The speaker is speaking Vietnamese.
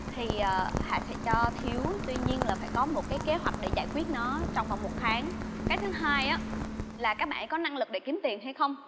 thì hạ sẽ cho thiếu tuy nhiên là phải có một cái kế hoạch để giải quyết nó trong vòng một tháng cái thứ hai á là các bạn có năng lực để kiếm tiền hay không